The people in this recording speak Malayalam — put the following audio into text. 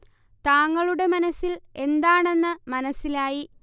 താങ്കളുടെ മനസ്സിൽ എന്താണ് എന്ന് മനസ്സിലായി